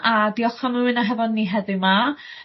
...a diolch am ymuno hefo ni heddiw 'ma.